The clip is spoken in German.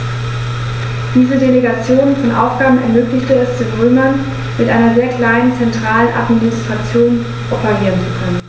Diese Delegation von Aufgaben ermöglichte es den Römern, mit einer sehr kleinen zentralen Administration operieren zu können.